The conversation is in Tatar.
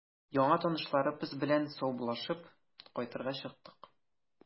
Яңа танышларыбыз белән саубуллашып, кайтырга чыктык.